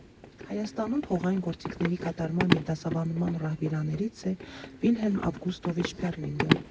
Հայաստանում փողային գործիքների կատարման և դասավանդման ռահվիրաներից է Վիլհելմ Ավգուստովիչ Շփեռլինգը։